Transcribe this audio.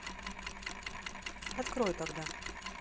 открой тогда